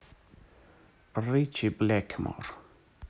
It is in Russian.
ричи блэкмор